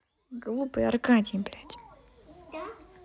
глупый аркадий блядь